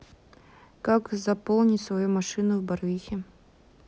как заполнить свою машину в барвихе